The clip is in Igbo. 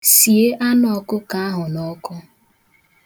Sie anụọkụkọ ahụ n'ọkụ.